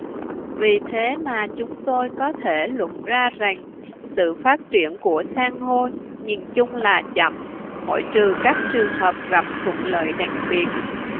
vì thế mà chúng tôi có thể luận ra rằng sự phát triển của san hô nhìn chung là chậm ngoại trừ các trường hợp gặp thuận lợi đặc biệt